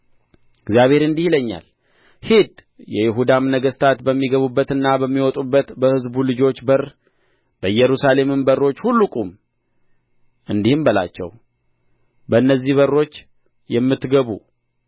እግዚአብሔር እንዲህ ይለኛል ሂድ የይሁዳም ነገሥታት በሚገቡበትና በሚወጡበት በሕዝቡ ልጆች በር በኢየሩሳሌምም በሮች ሁሉ ቁም እንዲህም በላቸው በእነዚህ በሮች የምትገቡ